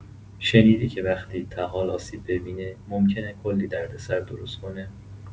شنیدی که وقتی طحال آسیب ببینه، ممکنه کلی دردسر درست کنه؟